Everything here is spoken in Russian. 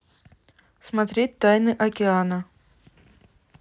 смотреть тайны океана